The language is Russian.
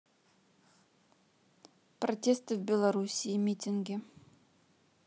протесты в белоруссии митинги